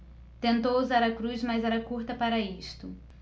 tentou usar a cruz mas era curta para isto